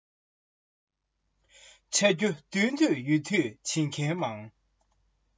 བྱ རྒྱུ མདུན དུ ཡོད དུས བྱེད མཁན མང